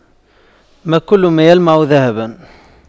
ما كل ما يلمع ذهباً